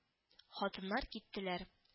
Хатыннар киттеләр